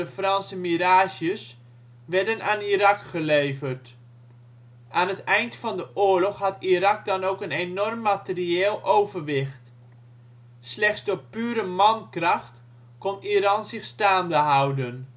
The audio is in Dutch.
Franse Mirages) werden aan Irak geleverd. Aan het eind van de oorlog had Irak dan ook een enorm materieel overwicht. Slechts door pure mankracht kon Iran zich staande houden